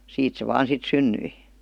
siitä se vain sitten syntyi